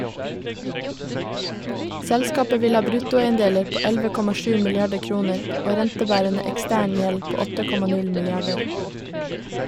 Selskapet vil ha bruttoeiendeler på 11,7 milliarder kroner og rentebærende ekstern gjeld på 8,0 milliarder.